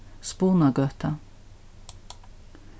spunagøta